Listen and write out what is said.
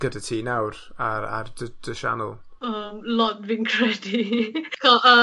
gyda ti nawr ar ar dy dy sianel? Oh lot fi'n credu